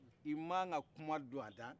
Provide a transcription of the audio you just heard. i man kan ka kuma don a da